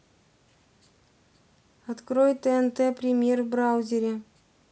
открой тнт премьер в браузере